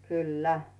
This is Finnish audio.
kyllä